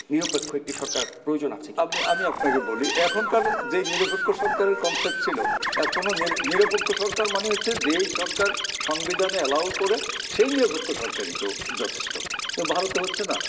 নিরপেক্ষ একটি সরকার প্রয়োজন আছে কিনা আমি আপনাকে বলি এখনকার যে নিরপেক্ষ সরকার এর কনসেপ্ট ছিল কোন নিরপেক্ষ সরকার মানে হচ্ছে যে সরকার সংবিধানে এলাও করে সেই নিরপেক্ষ সরকারি তো যথেষ্ট ভারতে হচ্ছে না